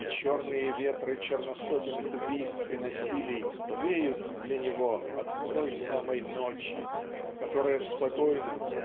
и черные ветры черносотенных убийств и насилий веют для него от той самой Ночи которая в спокойном